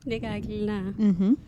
Ne ka hakili na. Unhun.